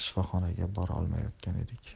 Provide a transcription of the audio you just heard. shifoxonaga bora olmayotgan edi